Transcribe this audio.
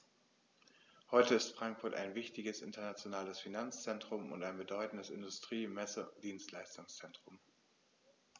Heute ist Frankfurt ein wichtiges, internationales Finanzzentrum und ein bedeutendes Industrie-, Messe- und Dienstleistungszentrum.